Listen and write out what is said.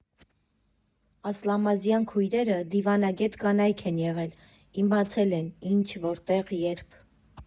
Ասլամազյան քույրերը դիվանագետ կանայք են եղել, իմացել են՝ ինչ, որտեղ, երբ։